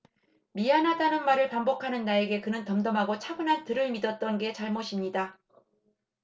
미안하다는 말을 반복하는 나에게 그는 덤덤하고 차분한 들을 믿었던 게 잘못입니다